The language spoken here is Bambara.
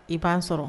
I b'an sɔrɔ